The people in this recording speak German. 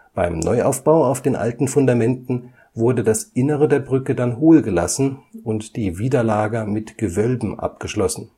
Beim Neuaufbau auf den alten Fundamenten wurde das Innere der Brücke dann hohl gelassen und die Widerlager mit Gewölben abgeschlossen